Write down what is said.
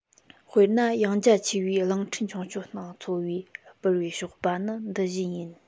དཔེར ན ཡངས རྒྱ ཆེ བའི གླིང ཕྲན ཆུང ཆུང སྟེང འཚོ བའི སྦུར པའི གཤོག པ ནི འདི བཞིན ཡིན